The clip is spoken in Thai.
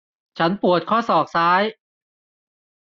ฉันปวดข้อศอกซ้าย